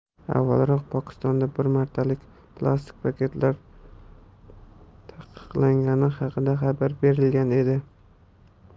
avvalroq pokistonda bir martalik plastik paketlar taqiqlangani haqida xabar berilgan edi